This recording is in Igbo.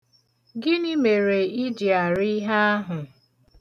Gịnị mere ị ji arị ihe ahụ?